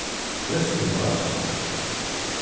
vesturrás